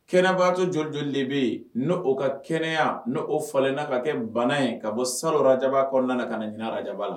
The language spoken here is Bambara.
Kɛnɛbagatɔjjlen bɛ yen n o ka kɛnɛyaya n' o falenla ka kɛ bana in ka bɔ sarora ja kɔnɔ ka na jinɛra ja la